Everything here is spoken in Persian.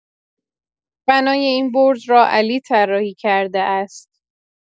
بنای این برج را علی طراحی کرده است